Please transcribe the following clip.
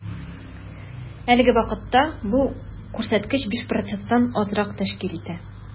Әлеге вакытта бу күрсәткеч 5 проценттан азрак тәшкил итә.